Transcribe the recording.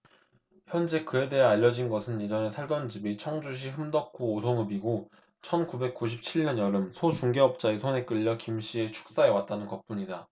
현재 그에 대해 알려진 것은 예전에 살던 집이 청주시 흥덕구 오송읍이고 천 구백 구십 칠 년 여름 소 중개업자의 손에 끌려 김씨의 축사에 왔다는 것뿐이다